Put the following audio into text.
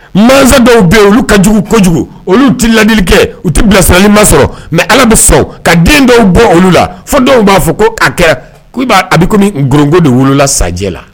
Masa dɔw bɛ olu ka jugu kojugu olu tɛ ladili kɛ u tɛ bilasirali ma sɔrɔ mɛ ala bɛ ka den dɔw bɔ olu la fo dɔw b'a fɔ ko ka kɛ b'a a bɛ kɔmi gko de wolola sa la